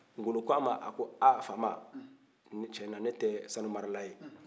ngolo ko a ma a ko ha faama tiɲɛ na ne tɛ sanu marala ye